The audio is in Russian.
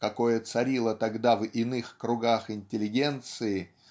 какое царило тогда в иных кругах интеллигенции